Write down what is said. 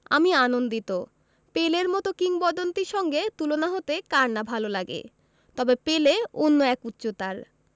আমি আনন্দিত পেলের মতো কিংবদন্তির সঙ্গে তুলনা হতে কার না ভালো লাগে তবে পেলে অন্য এক উচ্চতার